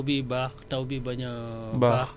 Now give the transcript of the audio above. mën na am mu am yàqu-yàqu